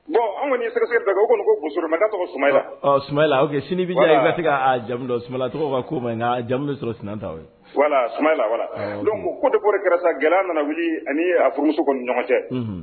Bon anw kɔni sira da o ko ko ma sinifin jamudɔla tɔgɔ kulubali jamu bɛ sɔrɔ sinata ye don ko de ko kɛra gɛlɛ nana ani a furumuso kɔni ɲɔgɔn cɛ